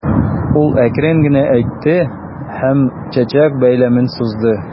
Ул әкрен генә әйтте һәм чәчәк бәйләмен сузды.